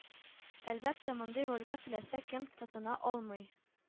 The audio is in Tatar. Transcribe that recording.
Әлбәттә, мондый рольгә теләсә кем тотына алмый